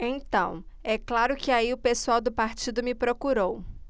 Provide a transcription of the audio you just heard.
então é claro que aí o pessoal do partido me procurou